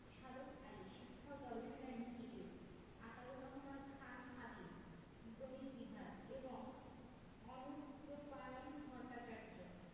সাদত আলী শিক্ষা ও গবেষণা ইনস্টিটিউট আতাউর রহমান খান খাদিম গণিত বিভাগ এবং অনুদ্যপায়ন ভট্টাচার্য